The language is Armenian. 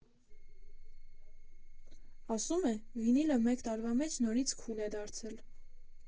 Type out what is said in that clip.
Ասում է՝ վինիլը մեկ տարվա մեջ նորից քուլ է դարձել։